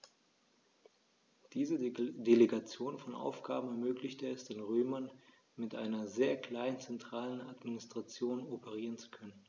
Diese Delegation von Aufgaben ermöglichte es den Römern, mit einer sehr kleinen zentralen Administration operieren zu können.